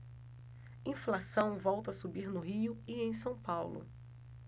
inflação volta a subir no rio e em são paulo